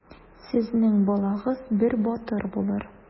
Сезнең балагыз бер батыр булыр.